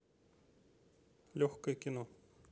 легкое кино